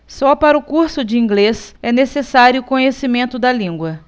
só para o curso de inglês é necessário conhecimento da língua